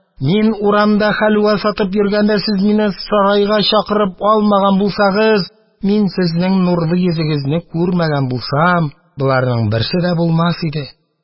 Мин урамда хәлвә ссатып йөргәндә, сез мине сарайга чакырып алмаган булсагыз, мин сезнең нурлы йөзегезне күрмәгән булсам, боларның берсе дә булмас иде.